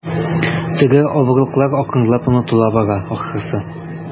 Теге авырлыклар акрынлап онытыла бара, ахрысы.